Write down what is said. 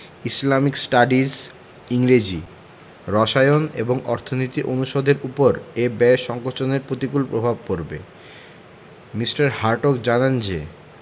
Islamic studies ইংরেজি রসায়ন এবং অর্থনীতি অনুষদের ওপর এ ব্যয় সংকোচনের প্রতিকূল প্রভাব পড়বে মি. হার্টগ জানান যে